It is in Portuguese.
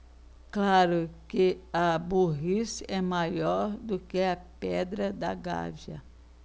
claro que a burrice é maior do que a pedra da gávea